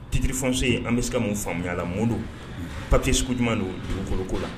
Ttiririmuso an bɛ se mun faamuyamuyala mɔ don pate segu jumɛn don dugukoloko la